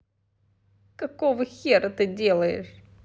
какого хера ты делаешь